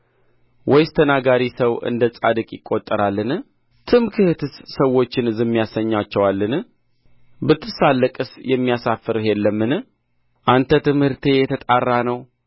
ወይስ ተናጋሪ ሰው እንደ ጻድቅ ይቈጠራልን ትምክህትህስ ሰዎችን ዝም ያሰኛቸዋልን ብትሳለቅስ የሚያሳፍርህ የለምን አንተ ትምህርቴ የተጣራ ነው